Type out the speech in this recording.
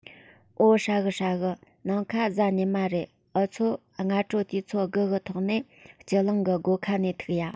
འོ ཧྲ གི ཧྲ གི ནིང ཁ གཟའ ཉི མ རེད འུ ཆོ སྔ དྲོ དུས ཚོད དགུ གི ཐོག ནས སྤྱི གླིང གི སྒོ ཁ ནས ཐུག ཡ